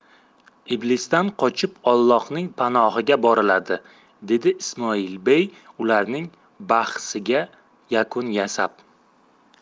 iblisdan qochib ollohning panohiga boriladi dedi ismoilbey ularning bahsiga yakun yasab